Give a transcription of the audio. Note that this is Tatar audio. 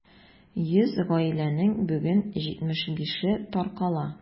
100 гаиләнең бүген 75-е таркала.